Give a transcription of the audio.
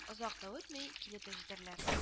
Озак та үтми, килеп тә җитәрләр